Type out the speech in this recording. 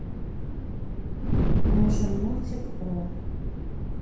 нужен мультик про